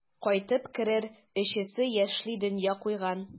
Кайтып керер өчесе яшьли дөнья куйган.